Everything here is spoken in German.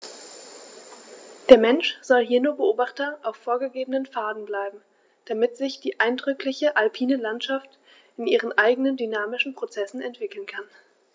Der Mensch soll hier nur Beobachter auf vorgegebenen Pfaden bleiben, damit sich die eindrückliche alpine Landschaft in ihren eigenen dynamischen Prozessen entwickeln kann.